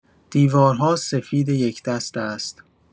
دیوارها سفید یک‌دست است.